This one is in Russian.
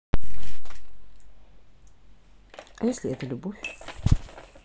а если это любовь